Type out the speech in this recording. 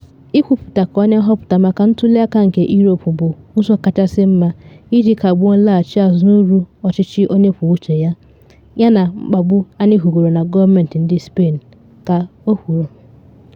“Ịkwụpụta ka onye nhọpụta maka ntuli aka nke Europe bụ ụzọ kachasị mma iji kagbuo nlaghachi azụ n’uru ọchịchị onye kwuo uche ya yana mkpagbu anyị hụgoro na gọọmentị ndị Spain,” ka o kwuru.